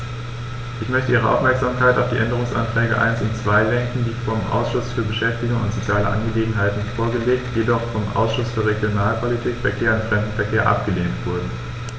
Ich möchte Ihre Aufmerksamkeit auf die Änderungsanträge 1 und 2 lenken, die vom Ausschuss für Beschäftigung und soziale Angelegenheiten vorgelegt, jedoch vom Ausschuss für Regionalpolitik, Verkehr und Fremdenverkehr abgelehnt wurden.